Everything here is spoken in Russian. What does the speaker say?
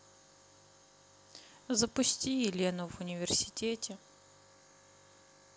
запусти елену в университете